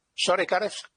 .sori Gareth.